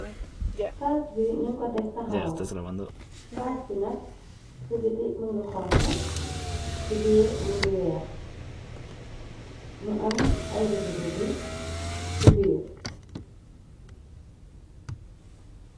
caas bi ñu ko teg taxawalko caas bi nak ci biti më ngi xonko ci biir më ngi weex mu am ay rëdd rëdd ci biir.